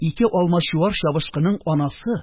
Ике алмачуар чабышкының анасы!